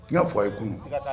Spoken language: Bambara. I y'a fɔ a ye kun